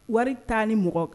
Wari taa ni mɔgɔ